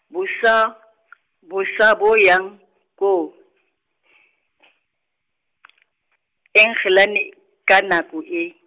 bosa , bosa bo yang koo , Engelane , ka nako e.